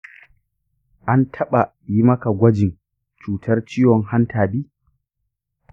an taɓa yi maka gwajin cutar ciwon hanta b?